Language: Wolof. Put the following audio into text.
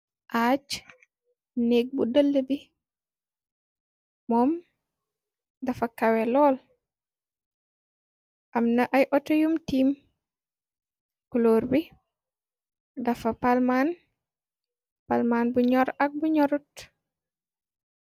ajj neek bu delle bi moom dafa kawe lool amna ay otoyum tiim kloor bi dafa palmaan palmaan bu ñyor ak bu nyorut.